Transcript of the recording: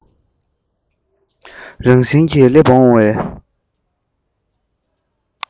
རང བཞིན གྱིས སླེབས འོང བའི